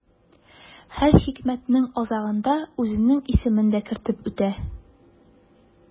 Һәр хикмәтнең азагында үзенең исемен дә кертеп үтә.